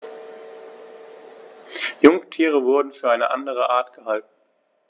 Jungtiere wurden für eine andere Art gehalten.